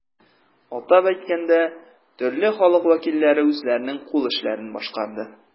Атап әйткәндә, төрле халык вәкилләре үзләренең кул эшләрен башкарды.